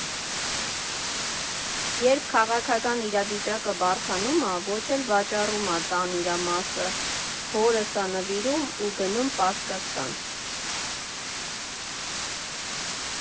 Երբ քաղաքական իրավիճակը բարդանում ա, ոչ էլ վաճառում ա տան իրա մասը, հորս ա նվիրում ու գնում Պարսկաստան։